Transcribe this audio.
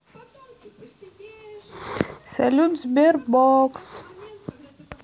салют sberbox